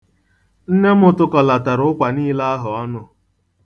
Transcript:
Nne m tụkọlatara ụkwa niile ahụ ọnụ.